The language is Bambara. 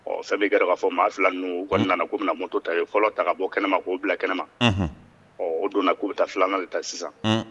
Ɔ fɛn mi ye i ka dɔn maa fila ninnu u kɔni nana k'u bɛna moto ta u ye fɔlɔ ta ka bɔ kɛnɛma k'o bila kɛnɛma, unhun, ɔ u donna k'u bɛ taa filanan de ta sisan, unhun.